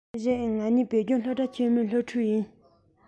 རེད ང གཉིས བོད ལྗོངས སློབ གྲ ཆེན མོའི སློབ ཕྲུག ཡིན